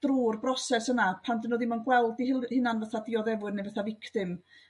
drw'r broses yna pan 'dyn n'w ddim yn gweld il hunan fatha dioddefwyr ne' fatha' victim